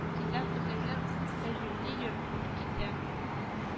Тиздән үзеңне кәҗүнни йорт китә